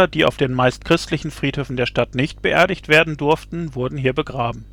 die auf den meist christlichen Friedhöfen der Stadt nicht beerdigt werden durften, wurden hier begraben